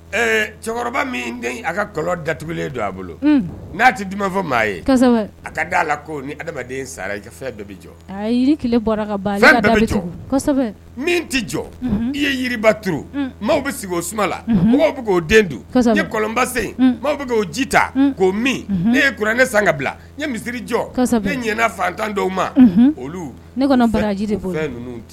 Ɛ cɛkɔrɔba min den a ka kɔ daugulen don a bolo n'a tɛ di fɔ maa ye a ka da la ko ni adamaden sara i ka fɛn dɔ jɔ fɛn t tɛ jɔ i ye yiriba t mɔgɔw bɛ sigi o sumala mɔgɔw bɛ k'o den kɔlɔnbasen mɔgɔw bɛ k'o ji ta k'o min ne ye kuran ne san ka bila misiri jɔ ɲ fatan dɔw ma olu neji